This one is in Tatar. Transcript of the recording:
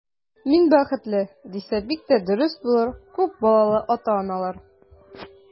Мин бәхетле, дисә, бик тә дөрес булыр, күп балалы ата-аналар.